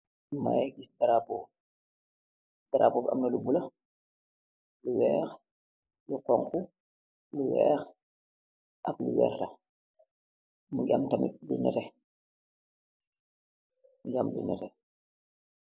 Mangi gis darapóó, darapóó bi am na lu bula, wèèx, lu xonxu, lu wèèx ak lu werta mungi am tamit lu netteh.